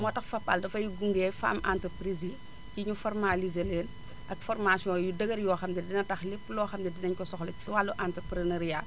moo tax Fapal dafay gunge femme entreprise yi ci ñu formalisé leen ak formation yu dëgër yoo xam ne dina tax lépp loo xam ne dinañ ko soxla ci wàllu entreprenariat